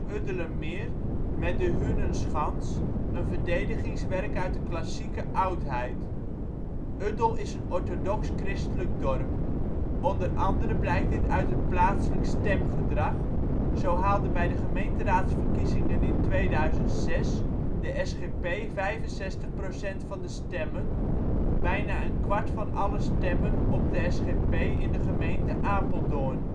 Uddelermeer met De Hunenschans een verdedigingswerk uit de Klassieke oudheid. Hervormde kerk in Uddel Uddel is een orthodox-christelijk dorp. Onder andere blijkt dit uit het plaatselijk stemgedrag: zo haalde bij de gemeenteraadsverkiezingen in 2006 de SGP 65 % van de stemmen (bijna een kwart van alle stemmen op de SGP in de gemeente Apeldoorn